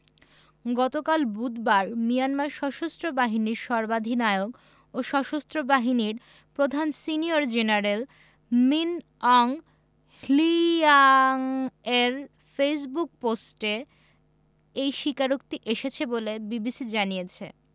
গতকাল বুধবার মিয়ানমার সশস্ত্র বাহিনীর সর্বাধিনায়ক ও সশস্ত্র বাহিনীর প্রধান সিনিয়র জেনারেল মিন অং হ্লিয়াংয়ের ফেসবুক পোস্টে এই স্বীকারোক্তি এসেছে বলে বিবিসি জানিয়েছে